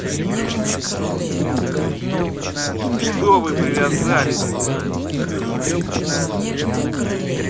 что вы привязались с нами